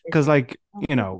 'Cause like, you know.